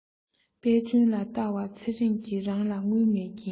དཔལ སྒྲོན ལ བལྟ བར ཚེ རིང གི རང ལ དངུལ མེད རྐྱེན